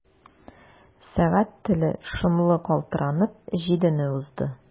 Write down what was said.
Сәгать теле шомлы калтыранып җидене узды.